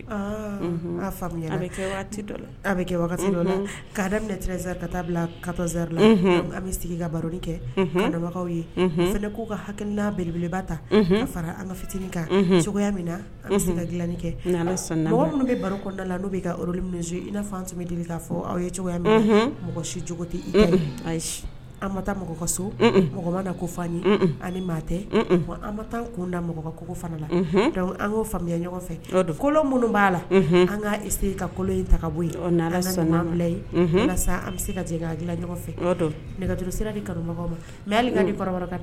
Baro ka hakili'elebeleba ta fara aw mɔgɔ tɛ ayi an taa mɔgɔka so mɔgɔ ma na ko fa an maa tɛ an taa kunda mɔgɔkogo fana an'o faamuya ɲɔgɔn fɛ don kolon minnu b'a la an kase ka ye ta bɔ yean an bɛ se ka dilan ɲɔgɔn fɛ nɛgɛj sira kanu ma